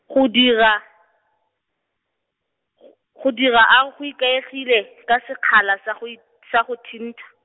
go dira, g- go dira a go ikaegile, ka sekgala sa go i-, sa go thintha.